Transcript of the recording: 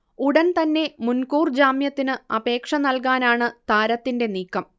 ഉടൻ തന്നെ മുൻകൂർ ജാമ്യത്തിന് അപേക്ഷ നൽകാനാണ് താരത്തിന്റെ നീക്കം